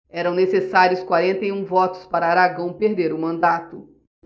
eram necessários quarenta e um votos para aragão perder o mandato